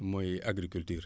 mooy agriculture